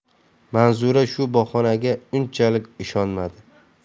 manzura bu bahonaga unchalik ishonmadi